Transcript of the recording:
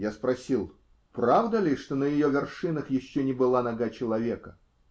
Я спросил: -- Правда ли, что на ее вершинах еще не была нога человека?